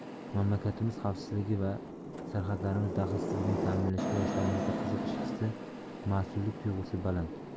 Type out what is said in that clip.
mamlakatimiz xavfsizligi va sarhadlarimiz daxlsizligini ta'minlashga yoshlarimizda qiziqish hissi mas'ullik tuyg'usi baland